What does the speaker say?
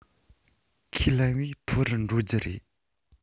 ཁས ལེན བས མཐོ རུ འགྲོ རྒྱུ རེད